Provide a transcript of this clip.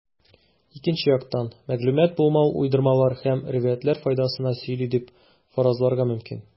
Икенче яктан, мәгълүмат булмау уйдырмалар һәм риваятьләр файдасына сөйли дип фаразларга мөмкин.